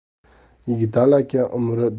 yigitali aka umri davomida